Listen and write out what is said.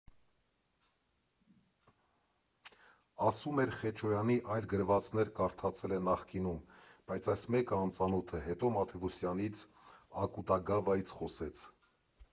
Ասում էր՝ Խեչոյանի այլ գրվածքներ կարդացել է նախկինում, բայց այս մեկը անծանոթ է, հետո Մաթևոսյանից, Ակուտագավայից խոսեց։